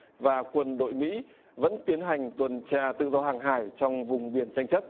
và quân đội mỹ vẫn tiến hành tuần tra tự do hàng hải trong vùng biển tranh chấp